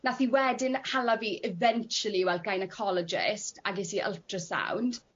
nath i wedyn hala fi eventually i weld gynecologist a ges i ultrasound